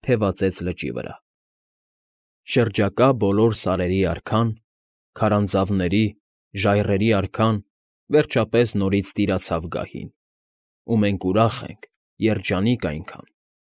Թևածեց լճի վրա. Շրջակա բոլոր սարերի արքան, Քարանձավների, ժայռերի արքան Վերջապես նորից տիրացավ գահին, Ու մենք ուրախ ենք, երջանիկ այնքան։